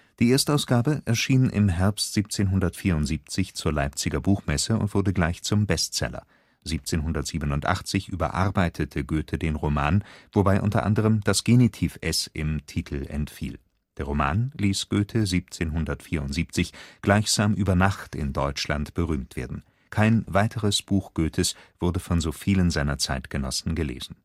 Die Erstausgabe erschien im Herbst 1774 zur Leipziger Buchmesse und wurde gleich zum Bestseller. 1787 überarbeitete Goethe den Roman, wobei unter anderem das Genitiv-s im Titel entfiel. Der Roman ließ Goethe 1774 gleichsam über Nacht in Deutschland berühmt werden. Kein weiteres Buch Goethes wurde von so vielen seiner Zeitgenossen gelesen